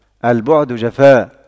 البعد جفاء